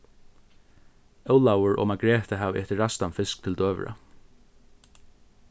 ólavur og margreta hava etið ræstan fisk til døgurða